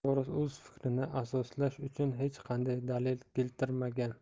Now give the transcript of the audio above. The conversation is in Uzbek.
soros o'z fikrini asoslash uchun hech qanday dalil keltirmagan